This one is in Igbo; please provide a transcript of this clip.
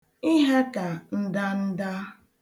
Ịha ka ndanda.